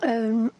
yym...